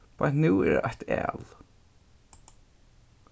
beint nú er eitt æl